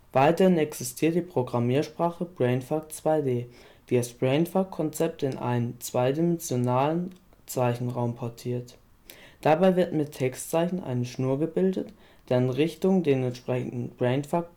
Weiterhin existiert die Programmiersprache Brainfuck 2D, die das Brainfuck-Konzept in einen 2-dimensionalen Zeichenraum portiert. Dabei wird mit Textzeichen eine Schnur gebildet, deren Richtung den entsprechenden Brainfuck-Befehl